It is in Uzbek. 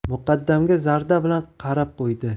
muqaddamga zarda bilan qarab qo'ydi